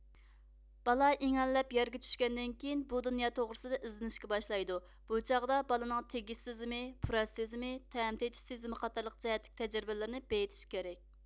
بالا ئىڭەللەپ يەرگە چۈشكەندىن كېيىن بۇ دۇنيا توغرىسىدا ئىزدىنىشكە باشلايدۇ بۇ چاغدا بالىنىڭ تېگىش سېزىمى پۇراش سېزىمى تەم تېتىش سېزىمى قاتارلىق جەھەتتىكى تەجرىبىلىرىنى بېيىتىش كېرەك